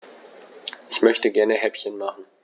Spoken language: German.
Ich möchte gerne Häppchen machen.